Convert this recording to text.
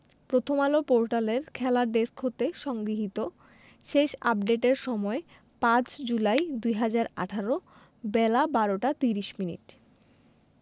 প্রথমআলো পোর্টালের খেলা ডেস্ক হতে সংগৃহীত শেষ আপডেটের সময় ৫ জুলাই ২০১৮ বেলা ১২টা ৩০মিনিট